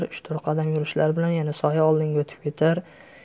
uch to'rt qadam yurishlari bilan soya yana oldinga o'tib ketar